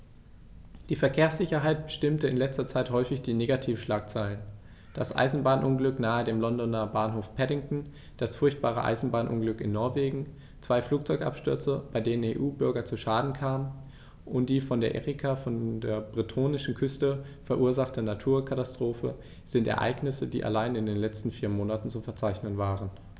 Die Verkehrssicherheit bestimmte in letzter Zeit häufig die Negativschlagzeilen: Das Eisenbahnunglück nahe dem Londoner Bahnhof Paddington, das furchtbare Eisenbahnunglück in Norwegen, zwei Flugzeugabstürze, bei denen EU-Bürger zu Schaden kamen, und die von der Erika vor der bretonischen Küste verursachte Naturkatastrophe sind Ereignisse, die allein in den letzten vier Monaten zu verzeichnen waren.